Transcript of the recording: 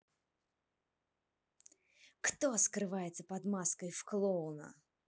кто скрывается под маской в клоуна